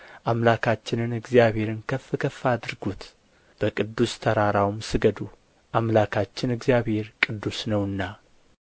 አምላካችንን እግዚአብሔርን ከፍ ከፍ አድርጉት በቅዱስ ተራራውም ስገዱ አምላካችን እግዚአብሔር ቅዱስ ነውና